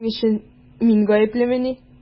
Моның өчен мин гаеплемени?